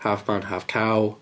Half man, half cow.